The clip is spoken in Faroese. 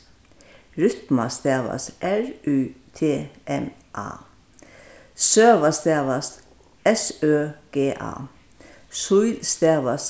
rytma stavast r y t m a søga stavast s ø g a síl stavast